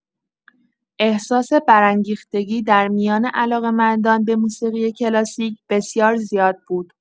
احساس برانگیختگی در میان علاقه‌مندان به موسیقی کلاسیک بسیار زیاد بود.